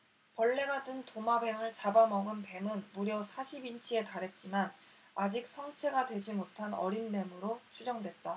벌레가 든 도마뱀을 잡아 먹은 뱀은 무려 사십 인치에 달했지만 아직 성체가 되지 못한 어린 뱀으로 추정됐다